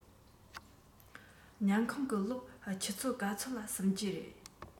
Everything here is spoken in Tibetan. ཉལ ཁང གི གློག ཆུ ཚོད ག ཚོད ལ གཟིམ གྱི རེད